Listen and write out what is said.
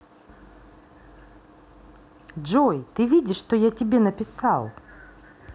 джой ты видишь что я тебе написал